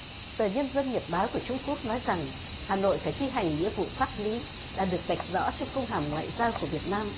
tờ nhân dân nhật báo của trung quốc nói rằng hà nội phải thi hành nghĩa vụ pháp lý đã được vạch rõ trong công hàm ngoại giao của việt nam